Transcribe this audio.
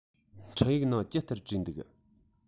འཕྲིན ཡིག ནང ཅི ལྟར བྲིས འདུག